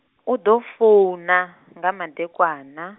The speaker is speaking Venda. u ḓo founa. nga madekwana.